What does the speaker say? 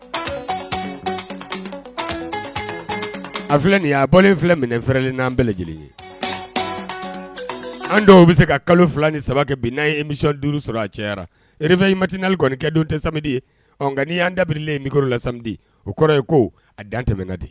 A filɛ a bɔlen filɛ minɛ fɛrɛɛrɛlen n'an bɛɛ lajɛlen ye an dɔw bɛ se ka kalo fila ni saba kɛ bin n' ye imisɔn duuru sɔrɔ a cɛyara rp in mati n naanili kɔni kɛ don tɛ samdi nka n' anan dabirilen mikoro lamdi o kɔrɔ ye ko a dan tɛmɛ di